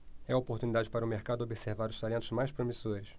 é a oportunidade para o mercado observar os talentos mais promissores